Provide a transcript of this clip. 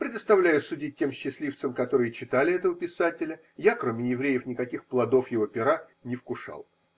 предоставляю судить тем счастливцам, которые читали этого писателя: я, кроме Евреев, никаких плодов его пера не вкушал.